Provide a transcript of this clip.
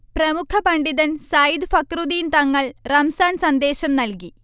പ്രമുഖ പണ്ഡിതൻ സയ്യിദ് ഫഖ്റുദ്ദീൻ തങ്ങൾ റംസാൻ സന്ദേശം നൽകി